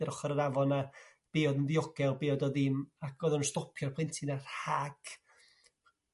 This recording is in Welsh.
ar ochor yr afon 'na be' o'dd yn ddiogel be' ydo ddim, ac o'ddan nhw'n stopio'r plentyn 'na rhag